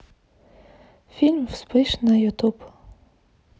мультфильм вспыш на ютуб